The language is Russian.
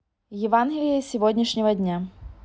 евангелие сегодняшнего дня